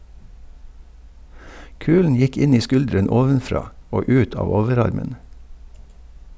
Kulen gikk inn i skulderen ovenfra og ut av overarmen.